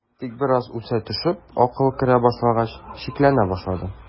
Тик бераз үсә төшеп акыл керә башлагач, шикләнә башлады.